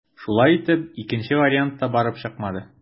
Шулай итеп, икенче вариант та барып чыкмады.